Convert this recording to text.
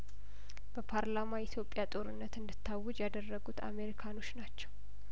በፓርላማ ኢትዮጵያ ጦርነት እንድታ ውጅ ያደረጉት አሜሪካኖች ናቸው